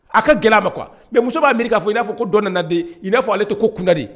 A ka gɛlɛ ma kuwa mɛ muso b'a mi k' fɔ i n'a fɔ ko dɔnden i n'a fɔ ale tɛ ko kundadi